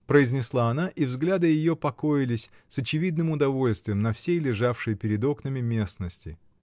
— произнесла она, и взгляды ее покоились с очевидным удовольствием на всей лежавшей перед окнами местности.